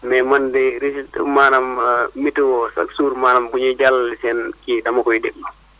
mais man de résult maanaam météo chaque jour maanaam bu ñuy jàllale seen kii dama koy déglu